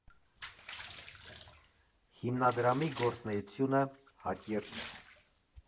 Հիմնադրամի գործունեությունը՝ հակիրճ։